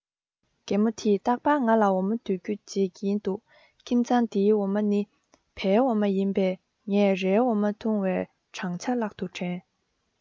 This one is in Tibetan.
རྒན མོ དེས རྟག པར ང ལ འོ མ ལྡུད རྒྱུ བརྗེད ཀྱིན འདུག ཁྱིམ ཚང འདིའི འོ མ ནི བའི འོ མ ཡིན པས ངས རའི འོ མ འཐུང བའི བགྲང བྱ ལྷག ཏུ དྲན